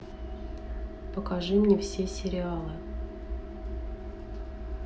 покажи мне все сериалы